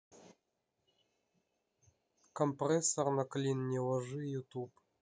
компрессор на клин не ложи ютуб